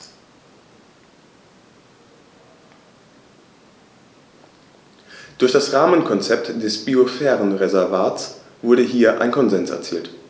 Durch das Rahmenkonzept des Biosphärenreservates wurde hier ein Konsens erzielt.